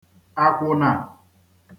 àkwụ̀na